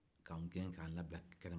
k'an gɛn k'anw labila kɛnɛma